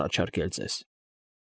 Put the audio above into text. Առաջարկել ձեզ։